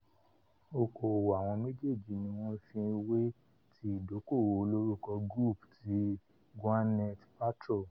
Oko-òwò àwọn méjèèjì ni wọ́n fiwe ti ìdókóòwò olórúkọ Goop ti Gwyneth Paltrow.